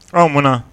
Ɔn mun na ?